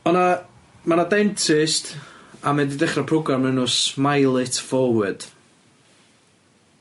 ma' 'na ma' 'na denist a ma' 'di dechre programme o'r enw smile it forward.